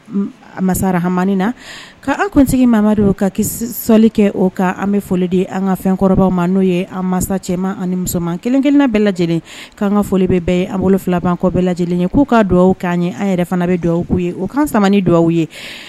Masara hama na'an kuntigi mama don ka ki selili kɛ o ka an bɛ foli de an ka fɛnkɔrɔbaw ma n'o ye an masa cɛman ani musoman kelen- kelenna bɛɛ lajɛlen k'an ka foli bɛ bɛ an bolo filaba kɔ bɛɛ lajɛlen ye k'u ka dugawu'an ɲɛ an yɛrɛ fana bɛ dugawu' ye o kan saba ni dugawu aw ye